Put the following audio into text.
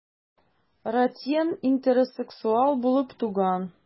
Ратьен интерсексуал булып туган.